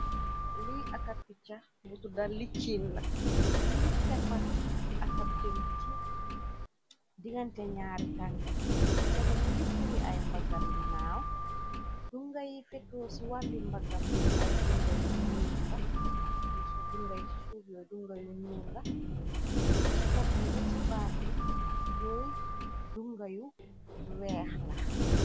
Lii akab picca bu tudda licciin la, mu ngi keppa akab jën ci dingante ñaari tanka yi, picca bi mu ngi firi ay mbaggam dinaaw, dunga yi feto ci wàlli mbaggam ay dunga yu nyuul la, ci dunga yi ci suuf ay dunga yu ñuul la, dippi ci boppam be baat bi yuy dunga yu weex la.